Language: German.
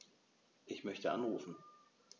Ich möchte anrufen.